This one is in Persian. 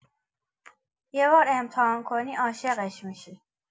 یه بار امتحان کنی عاشقش می‌شی!